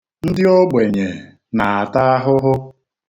Ndị ógbènye na-ata ahụhụ